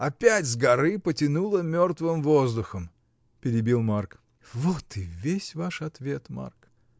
опять с горы потянуло мертвым воздухом! — перебил Марк. — Вот и весь ваш ответ, Марк!